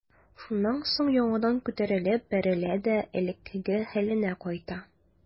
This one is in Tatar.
Шуннан соң яңадан күтәрелеп бәрелә дә элеккеге хәленә кайта.